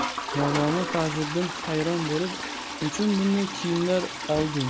mavlono fazliddin hayron bo'lib nechun bunday kiyimlar olding